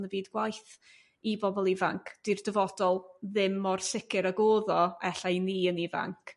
yn y byd gwaith i bobol ifanc dyw'r dyfodol ddim mor sicr ag o'dd o ella i ni yn ifanc.